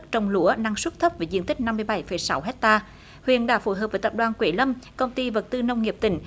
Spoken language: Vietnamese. trồng lúa năng suất thấp với diện tích năm mươi bảy phẩy sáu héc ta huyện đã phối hợp với tập đoàn quế lâm công ty vật tư nông nghiệp tỉnh